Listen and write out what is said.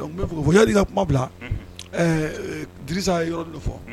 Fo yadi ka kuma bila disa yɔrɔ de fɔ